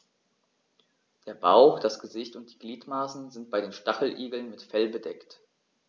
Der Bauch, das Gesicht und die Gliedmaßen sind bei den Stacheligeln mit Fell bedeckt.